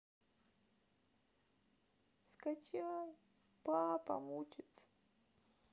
скачай папа мучится